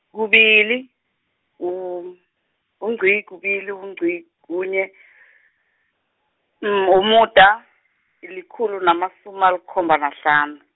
kubili, ung- ungqi, kubili ungci, kunye , umuda, i likhulu namasumi alikhomba nahlanu.